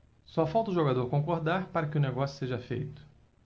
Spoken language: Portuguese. só falta o jogador concordar para que o negócio seja feito